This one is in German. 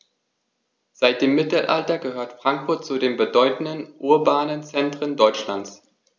Seit dem Mittelalter gehört Frankfurt zu den bedeutenden urbanen Zentren Deutschlands.